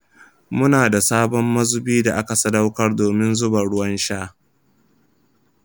mu na da wani sabon mazubi da aka sadaukar domin zuba ruwan sha.